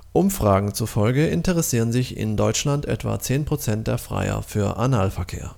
Umfragen zufolge interessieren sich in Deutschland etwa 10 % der Freier für Analverkehr